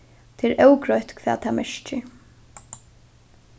tað er ógreitt hvat tað merkir